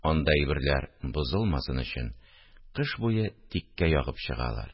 Анда әйберләр бозылмасын өчен, кыш буе тиккә ягып чыгалар